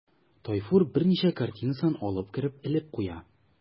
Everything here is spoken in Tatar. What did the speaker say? Тайфур берничә картинасын алып кереп элеп куя.